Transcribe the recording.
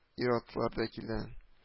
Ир-атлар да килә